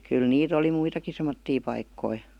kyllä niitä oli muitakin semmoisia paikkoja